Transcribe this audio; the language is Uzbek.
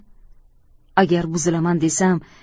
agar buzilaman desam